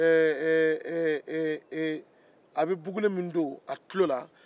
a bɛ bukulu min don a tulo